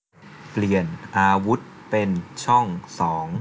เปลี่ยนอาวุธเป็นช่องสอง